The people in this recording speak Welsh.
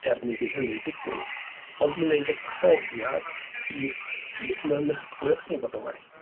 Er mi fydd hynny'n digwydd, ond i wneud y profiad i'ch i'ch mynychwyr chi fod yn well.